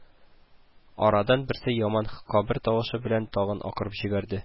Арадан берсе яман кабер тавышы белән тагын акырып җибәрде